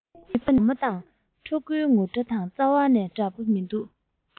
ངུ སྒྲ ནི བུ མོ དང ཕྲུ གུའི ངུ སྒྲ དང རྩ བ ནས འདྲ པོ མི འདུག